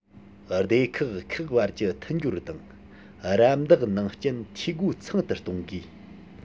སྡེ ཁག ཁག བར གྱི མཐུན སྦྱོར དང རམ འདེགས ནང རྐྱེན འཐུས སྒོ ཚང དུ གཏོང དགོས